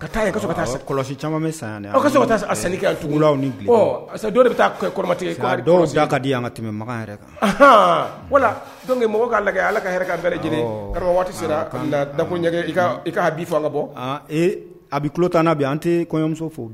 Ka taa taa se kɔlɔsi caman min san a taa san ka ni bi dɔw de bɛ taamati dɔw ka di yan ka tɛmɛ makan yɛrɛ kan wala dɔnkuke mɔgɔ ka lajɛ ala ka ka bɛɛ lajɛlen waati sera ka dakunjɛ kaa bifa ka bɔ a bi kulo tan bi an tɛ kɔɲɔmuso fo